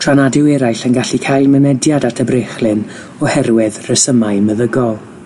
tra nad yw eraill yn gallu cael mynediad at y brechlyn oherwydd rhesymau meddygol.